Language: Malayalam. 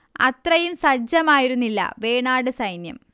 അത്രയും സജ്ജമായിരുന്നില്ല വേണാട് സൈന്യം